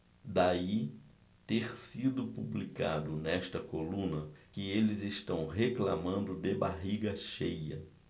daí ter sido publicado nesta coluna que eles reclamando de barriga cheia